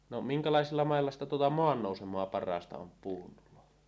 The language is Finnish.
no minkälaisilla mailla sitä tuota maannousemaa parhaasti on puuhun tulee